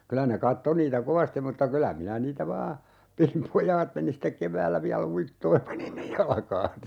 kyllä ne katsoi niitä kovasti mutta kyllä minä niitä vain pidin pojat meni sitten keväällä vielä uittoon ja pani ne jalkaansa